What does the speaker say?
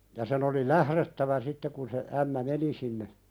ja sen oli lähdettävä sitten kun se ämmä meni sinne